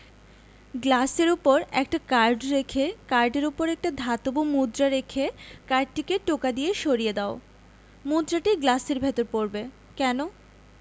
গ্লাসের উপর একটা কার্ড রেখে কার্ডের উপর একটা ধাতব মুদ্রা রেখে কার্ডটিকে টোকা দিয়ে সরিয়ে দাও মুদ্রাটি গ্লাসের ভেতর পড়বে কেন